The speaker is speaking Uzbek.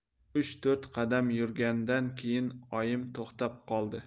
uch to'rt qadam yurgandan keyin oyim to'xtab qoldi